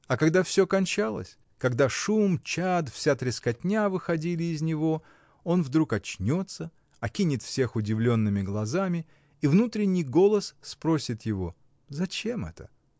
А когда всё кончалось, когда шум, чад, вся трескотня выходили из него, он вдруг очнется, окинет всё удивленными глазами, и внутренний голос спросит его: зачем это?